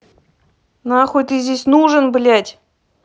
нахуй ты здесь нужен блядь